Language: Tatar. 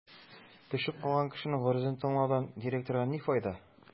Төшеп калган кешенең гозерен тыңлаудан директорга ни файда?